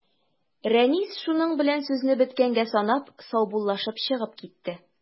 Рәнис, шуның белән сүзне беткәнгә санап, саубуллашып чыгып китте.